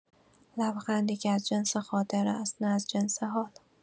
لبخندی که از جنس خاطره است، نه از جنس حال.